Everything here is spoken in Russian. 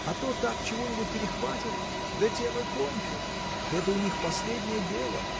а то так чего-нибудь перехватят, да тем и кончат. Это у них последнее дело